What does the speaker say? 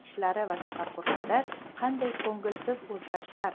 ishlari va tafakkurlarida qanday ko'ngilsiz o'zgarishlar